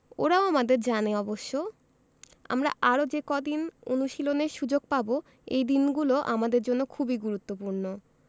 ওরাও আমাদের জানে অবশ্য আমরা আরও যে কদিন অনুশীলনের সুযোগ পাব এই দিনগুলো আমাদের জন্য খুবই গুরুত্বপূর্ণ